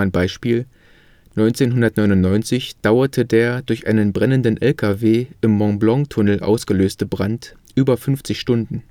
Beispiel: 1999 dauerte der durch einen brennenden LKW im Mont-Blanc-Tunnel ausgelöste Brand über 50 Stunden